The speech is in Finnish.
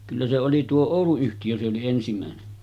kyllä se oli tuo Oulu-yhtiö se oli ensimmäinen